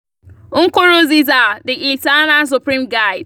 Nkurunziza, the ‘eternal supreme guide’